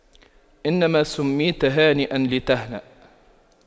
إنما سُمِّيتَ هانئاً لتهنأ